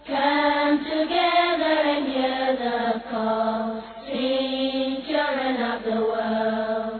Santigɛ bɛ laban nk yo bɛ laban laban